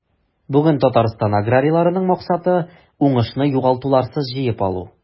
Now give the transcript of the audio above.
Бүген Татарстан аграрийларының максаты – уңышны югалтуларсыз җыеп алу.